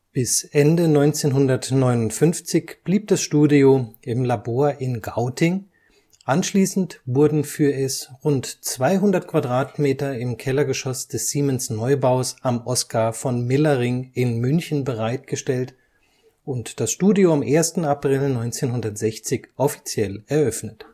Bis Ende 1959 blieb das Studio im Labor in Gauting, anschließend wurden für es rund 200 qm im Kellergeschoss des Siemensneubaus am Oskar-von-Miller-Ring in München bereitgestellt und das Studio am 1. April 1960 offiziell eröffnet